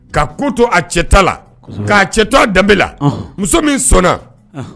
Ka ko to a cɛ la k'a cɛta danbebela muso min sɔnna